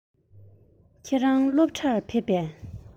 ཁྱེད རང སློབ གྲྭར ཕེབས པས